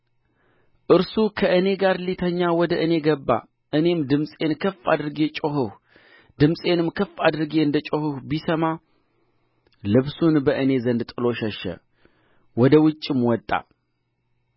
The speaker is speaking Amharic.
ይህንም ነገር እንዲህ ብላ ነገረችው ያገባህልን ዕብራዊው ባሪያ ሊሣለቅብኝ ወደ እኔ ገባ